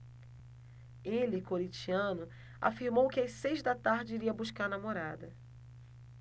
ele corintiano afirmou que às seis da tarde iria buscar a namorada